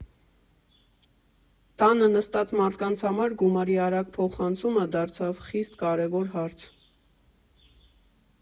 Տանը նստած մարդկանց համար գումարի արագ փոխանցումը դարձավ խիստ կարևոր հարց։